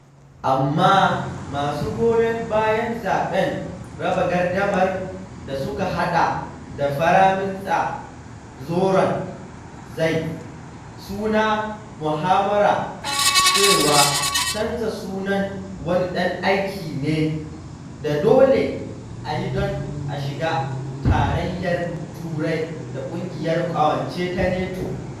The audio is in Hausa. Amma, masu goyon bayan zaɓen raba gardamar, da suka haɗa da Firaminista Zoran Zaev, suna mahawara cewa canza sunan wani ɗan aiki ne da dole a yi don a shiga Tarayyar Turai da Ƙungiyar Ƙawance ta NATO.